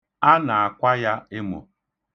A na-akwa ya emo.